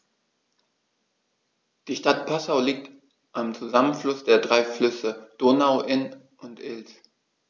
Die Stadt Passau liegt am Zusammenfluss der drei Flüsse Donau, Inn und Ilz.